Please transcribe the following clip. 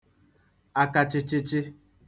akachịchịchị